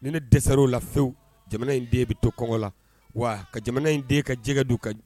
Ni ne dɛsɛ o la fewu jamana in den bɛ to kɔngɔ la wa ka jamana in den ka jɛgɛgɛ dun